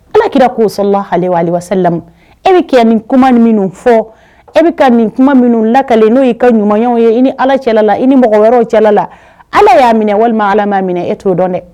Alakira kosɔ la halila e bɛ kɛ nin kumaman minnu fɔ e bɛ ka nin kuma minnu lakale n' y'i ka ɲumanw ye i ni ala cɛlala i ni mɔgɔ wɛrɛw cɛlala ala y'a minɛ walima ala y'a minɛ e t'o dɔn dɛ